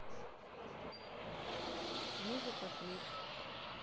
музыка клип